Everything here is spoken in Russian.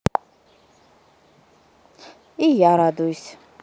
и я радуюсь